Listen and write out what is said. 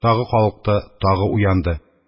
Тагы калыкты, тагы уянды.